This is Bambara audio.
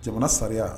Jamana sa